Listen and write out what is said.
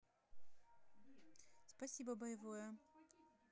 спасибо боевое